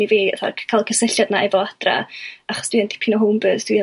i fi atha ca'l y cysylltiad 'na efo adra achos dwi'n dipyn o home bird dwi yn